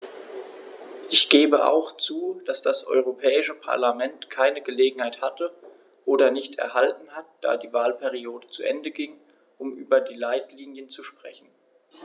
Ich gebe auch zu, dass das Europäische Parlament keine Gelegenheit hatte - oder nicht erhalten hat, da die Wahlperiode zu Ende ging -, um über die Leitlinien zu sprechen.